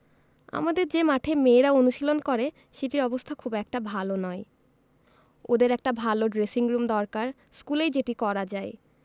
আমাদের যে মাঠে মেয়েরা অনুশীলন করে সেটির অবস্থা খুব একটা ভালো নয় ওদের একটা ভালো ড্রেসিংরুম দরকার স্কুলেই যেটি করা যায়